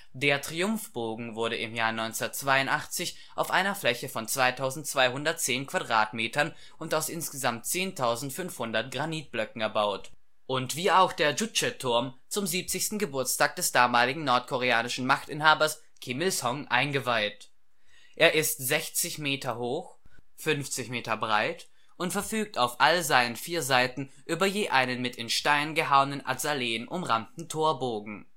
Der Triumphbogen wurde im Jahr 1982 auf einer Fläche von 2210 Quadratmetern und aus insgesamt 10.500 Granitblöcken erbaut und, wie auch der Chuch’ e-Turm, zum 70. Geburtstag des damaligen nordkoreanischen Machtinhabers Kim Il-sung eingeweiht. Er ist 60 Meter hoch und 50 Meter breit und verfügt auf all seinen vier Seiten über je einen mit in Stein gehauenen Azaleen umrahmten Torbogen